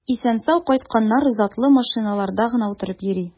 Исән-сау кайтканнар затлы машиналарда гына утырып йөри.